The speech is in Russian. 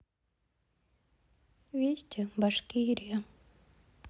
вести башкирия